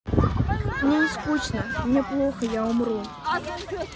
мне не скучно мне плохо я умру